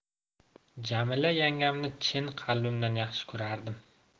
jamila yangamni chin qalbimdan yaxshi ko'rardim